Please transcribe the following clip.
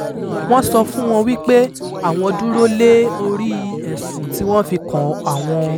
Wọ́n sọ fún wọn wípé àwọn dúró lé oríi ẹ̀sùn tí wọ́n fi kan àwọn.